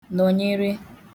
nọ̀nyere